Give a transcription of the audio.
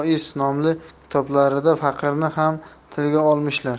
kitoblarida faqirni ham tilga olmishlar